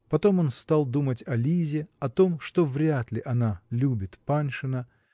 Потом он стал думать о Лизе, о том, что вряд ли она любит Паншина